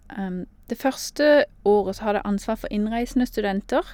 Det første året så hadde jeg ansvar for innreisende studenter.